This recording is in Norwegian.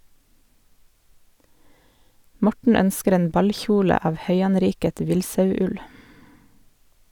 Morten ønsker en ballkjole av høyanriket villsauull.